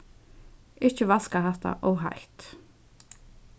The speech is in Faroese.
ikki vaska hatta ov heitt